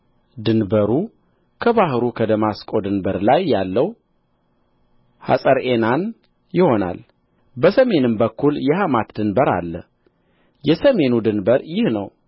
ድንበሩ ከባሕሩ በደማስቆ ድንበር ላይ ያለው ሐጸርዔናን ይሆናል በሰሜንም በኩል የሐማት ድንበር አለ የሰሜኑ ድንበር ይህ ነው